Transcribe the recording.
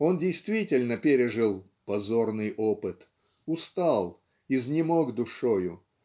он действительно пережил "позорный опыт", устал, изнемог душою